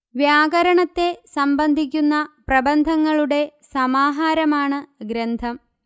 വ്യാകരണത്തെ സംബന്ധിക്കുന്ന പ്രബന്ധങ്ങളുടെ സമാഹാരമാണ് ഗ്രന്ഥം